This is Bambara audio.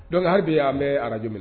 Donc haribi an' bɛɛ Radio